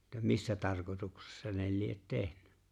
- missä tarkoituksessa ne lie tehnyt